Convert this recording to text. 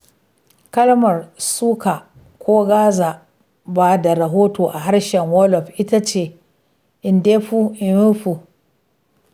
Kalmar 'suka'' ko 'gaza ba da rahoto' a harshen Wolof ita ce 'ndeup neupal' (furta “n-puh n-puh”).